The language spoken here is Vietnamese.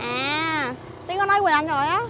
à tuyến có nói quỳnh anh rồi đó